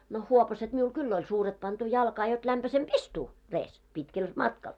no huopaset minulla kyllä oli suuret pantu jalkaan jotta lämpöisempi istua reessä pitkällä matkalla